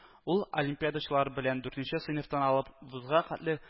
Ул олимпиадачылар белән дүртенче сыйныфтан алып вузга хәтле